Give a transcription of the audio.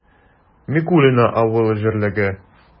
Микулино авыл җирлеге